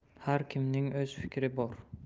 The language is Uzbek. har kimning o'z fikri bor